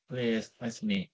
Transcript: Ble eth- aethon ni?